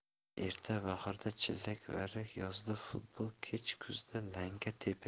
erta bahorda chillak varrak yozda futbol kech kuzda lanka tepish